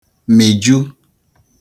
mị̀ju